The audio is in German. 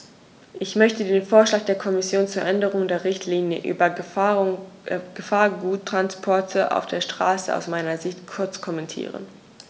Ich möchte den Vorschlag der Kommission zur Änderung der Richtlinie über Gefahrguttransporte auf der Straße aus meiner Sicht kurz kommentieren.